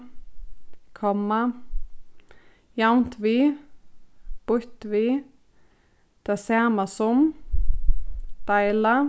komma javnt við býtt við tað sama sum deila